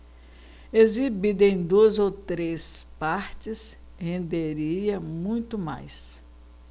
exibida em duas ou três partes renderia muito mais